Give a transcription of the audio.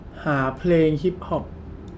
หาเพลงฮิปฮอป